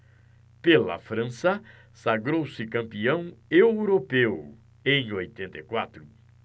pela frança sagrou-se campeão europeu em oitenta e quatro